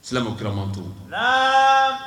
Silamɛ kiramanto aa